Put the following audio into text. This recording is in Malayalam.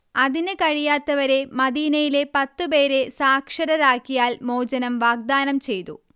അതിന് കഴിയാത്തവരെ മദീനയിലെ പത്ത് പേരെ സാക്ഷരരാക്കിയാൽ മോചനം വാഗ്ദാനം ചെയ്തു